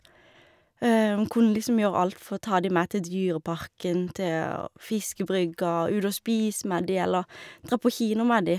En kunne lissom gjøre alt fra å ta de med til Dyreparken, til å fiskebrygga, ut og spise med de, eller dra på kino med de.